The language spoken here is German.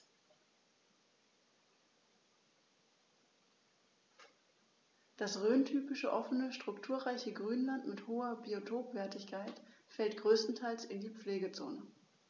Das rhöntypische offene, strukturreiche Grünland mit hoher Biotopwertigkeit fällt größtenteils in die Pflegezone.